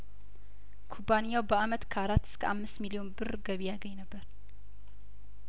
ኩባንያው በአመት ከአራት እስከ አምስት ሚሊዮን ብር ገቢ ያገኝ ነበር